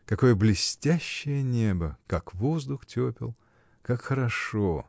Какое блестящее небо, как воздух тепел, как хорошо!